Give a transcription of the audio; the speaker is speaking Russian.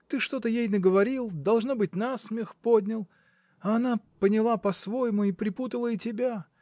Ты что-то ей наговорил, — должно быть, на смех поднял — а она поняла по-своему и припутала и тебя!